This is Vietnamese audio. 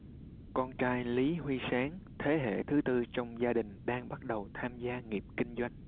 con trai lý huy sáng thế hệ thứ tư trong gia đình đang bắt đầu tham gia nghiệp kinh doanh